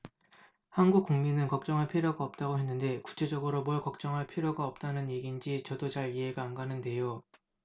한국 국민은 걱정할 필요가 없다고 했는데 구체적으로 뭘 걱정할 필요가 없다는 얘긴지 저도 잘 이해가 안 가는데요